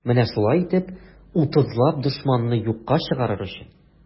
Менә шулай итеп, утызлап дошманны юкка чыгарыр өчен.